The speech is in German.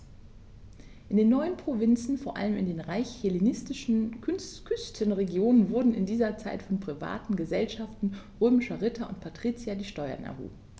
In den neuen Provinzen, vor allem in den reichen hellenistischen Küstenregionen, wurden in dieser Zeit von privaten „Gesellschaften“ römischer Ritter und Patrizier die Steuern erhoben.